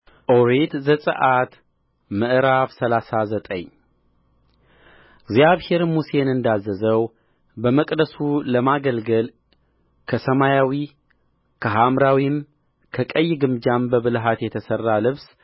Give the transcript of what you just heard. ኦሪት ዘጽአት ምዕራፍ ሰላሳ ዘጠኝ እግዚአብሔርም ሙሴን እንዳዘዘው በመቅደሱ ለማገልገል ከሰማያዊ ከሐምራዊም ከቀይ ግምጃም በብልሃት የተሠራ ልብስ